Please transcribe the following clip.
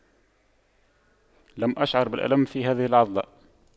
لم أشعر بالألم في هذه العضلة